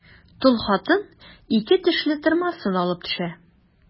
Тол хатын ике тешле тырмасын алып төшә.